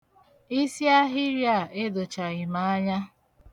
Isiahịrị a edochaghị m anya.